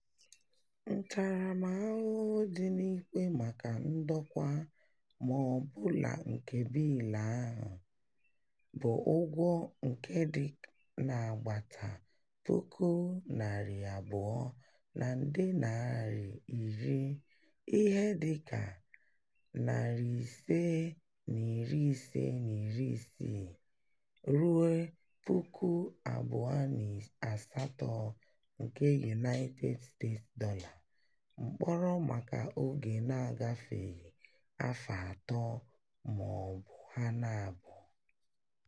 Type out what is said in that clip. Ntaramahụhụ dị n'ikpe maka ndokwa ọ bụla nke bịịlụ ahụ bụ ụgwọ nke dị n'agbata 200,000 na nde naira 10 [ihe dị ka $556 ruo $28,000 United States dollar], mkpọrọ maka oge na-agafeghị afọ atọ ma ọ bụ ha abụọ.